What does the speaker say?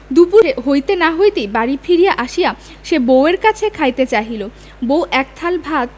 দুপুর হইতে না হইতেই বাড়ি ফিরিয়া আসিয়া সে বউ এর কাছে খাইতে চাহিল বউ একথালা ভাত